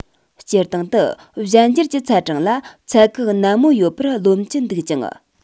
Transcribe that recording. སྤྱིར བཏང དུ གཞན འགྱུར གྱི ཚད གྲངས ལ ཚད བཀག ནན མོ ཡོད པར རློམ གྱི འདུག ཅིང